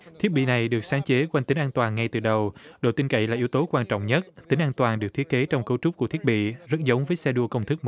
thiết bị này được sáng chế của tiết an toàn ngay từ đầu độ tin cậy là yếu tố quan trọng nhất là tính an toàn được thiết kế trong cấu trúc của thiết bị rất giống với xe đua công thức